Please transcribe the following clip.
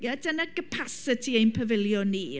Ie, dyna capasiti ein pafiliwn ni.